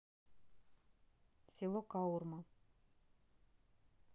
село каурма